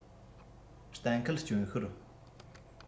གཏན འཁེལ རྐྱོན ཤོར